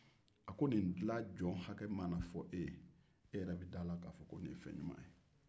a ko nin dilali jɔn hakɛ mana fɔ e ye e bɛ d'a la ko nin ye fɛn ɲuman ye